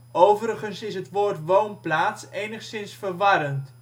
Overigens is het woord ' woonplaats ' enigszins verwarrend